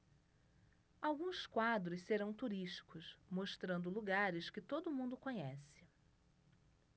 alguns quadros serão turísticos mostrando lugares que todo mundo conhece